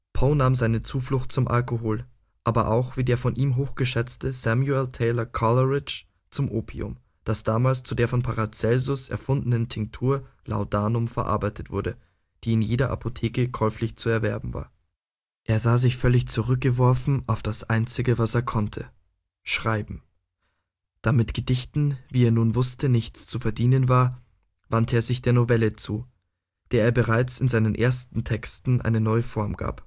Poe nahm seine Zuflucht zum Alkohol, aber auch – wie der von ihm hochgeschätzte Samuel Taylor Coleridge – zum Opium, das damals zu der von Paracelsus erfundenen Tinktur Laudanum verarbeitet wurde, die in jeder Apotheke käuflich war. Er sah sich völlig zurückgeworfen auf das Einzige, was er konnte: Schreiben. Da mit Gedichten, wie er nun wusste, nichts zu verdienen war, wandte er sich der Novelle zu, der er bereits in seinen ersten Texten eine neue Form gab